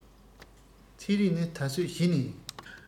ཚེ རིང ནི ད གཟོད གཞི ནས